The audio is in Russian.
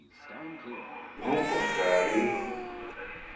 ну повтори